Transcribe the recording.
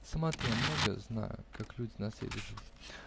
Сама-то я много знаю, как люди на свете живут!